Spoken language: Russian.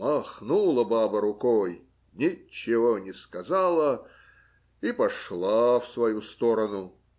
Махнула баба рукой, ничего не сказала и пошла в свою сторону.